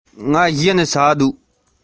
ལེན པའི སྤོབས པ མེད པར གྱུར